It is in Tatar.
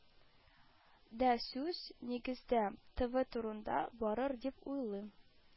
Дә сүз, нигездә, тв турында барыр дип уйлыйм